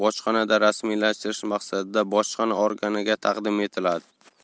bojxonada rasmiylashtirish maqsadida bojxona organiga taqdim etiladi